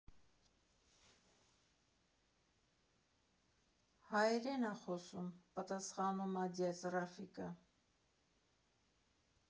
Հայերեն ա խոսում,֊ պատասխանումա ձյաձ Ռաֆիկը։